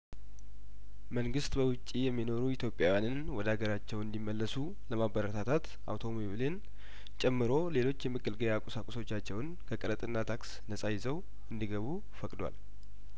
መንግስት በውጭ የሚኖሩ ኢትዮጵያውያንን ወደ አገራቸው እንዲመለሱ ለማበረታታት አውቶሞቢልን ጨምሮ ሌሎች የመገልገያቁሳ ቁሶቻቸውን ከቀረጥና ታክስ ነጻ ይዘው እንዲገቡ ፈቅዷል